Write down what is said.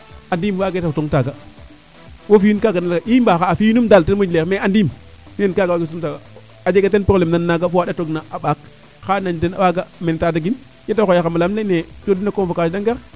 andiin waage sutoong taaga wo fi'un kaaga na leyel ii mbaa xa'a fi'inum daal ten moƴ leer mais andiim kaga wagiro sut taaga a jega teen probleme nana naga fowa ndatoog na a ɓaak xa leyi den waga mene Tataguine yeeete xooya xama im leyaa te leyaame coxi den a convocation de ngar